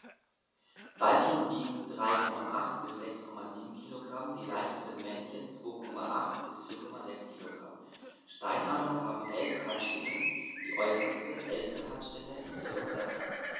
Weibchen wiegen 3,8 bis 6,7 kg, die leichteren Männchen 2,8 bis 4,6 kg. Steinadler haben 11 Handschwingen, die äußerste (11.) Handschwinge ist jedoch sehr klein.